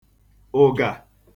ụ̀gà